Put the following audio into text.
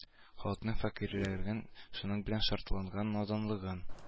Халыкның фәкыйрьлеген шуның белән шартланган наданлыгын